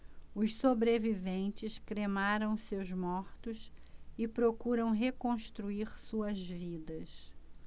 os sobreviventes cremaram seus mortos e procuram reconstruir suas vidas